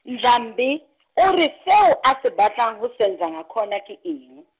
Ndlambe o re seo a se batlang ho Senzangakhona ke eng.